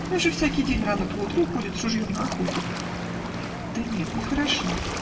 Он же всякой день, рано поутру, ходит с ружьем на охоту. -- Да нет, нехорошо.